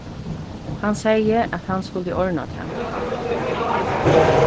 hann segði at hann skuldi orðna tað